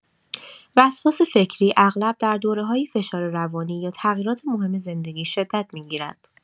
وسواس فکری اغلب در دوره‌های فشار روانی یا تغییرات مهم زندگی شدت می‌گیرد.